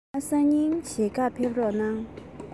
འོ ན སང ཉིན ལེན ག ཕེབས དང